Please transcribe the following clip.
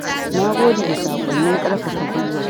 Na gode da sakwannin karfafa gwiwar!”